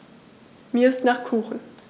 Mir ist nach Kuchen.